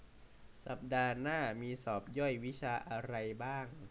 สัปดาห์หน้ามีสอบย่อยวิชาอะไรบ้าง